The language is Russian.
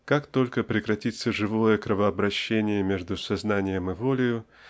Как только прекратится живое кровообращение между сознанием и волею